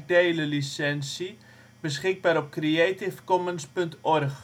52° 27 ' NB, 6° 04 ' OL